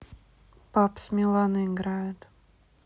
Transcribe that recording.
папа с миланой играют